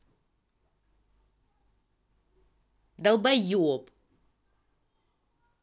долбоеба